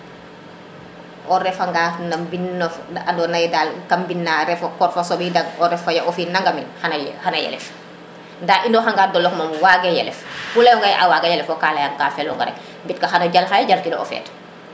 o refa nga na mbinof ando naye kam mbine refo kor fa soɓidang o ref fa ya ofin nangamin xana yelef nda inoxa nga dolou moom wage yelef o xu leyonga ye a waga yelef ka leyang ka feluna rek mbit kay xano jal xaye jal kiro o feet